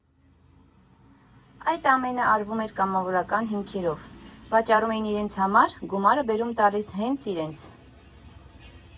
Այդ ամենը արվում էր կամավորական հիմքերով, վաճառում էին իրենց համար, գումարը բերում տալիս հենց իրենց։